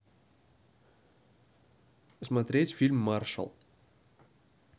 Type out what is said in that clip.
смотреть фильм маршал